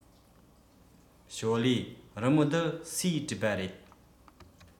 ཞོའོ ལིའི རི མོ འདི སུས བྲིས པ རེད